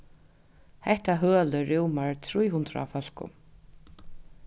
hetta hølið rúmar trý hundrað fólkum